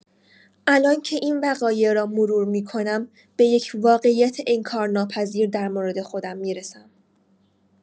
الان که این وقایع را مرور می‌کنم به یک واقعیت انکارناپذیر در مورد خودم می‌رسم.